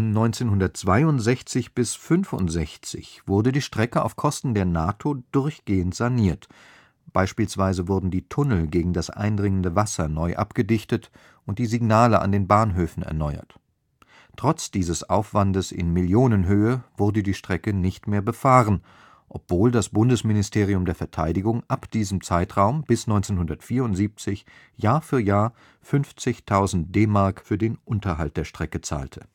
1962 bis 1965 wurde die Strecke auf Kosten der NATO durchgehend saniert, beispielsweise wurden die Tunnel gegen das eindringende Wasser neu abgedichtet und die Signale an den Bahnhöfen erneuert. Trotz dieses Aufwandes in Millionenhöhe wurde die Strecke nicht mehr befahren, obwohl das Bundesministerium der Verteidigung ab diesem Zeitraum bis 1974 Jahr für Jahr 50.000 DM für den Unterhalt der Strecke zahlte